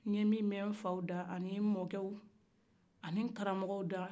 nye min mɛn nfaw da ani mɔcɛw ani nkara mɔgɔw da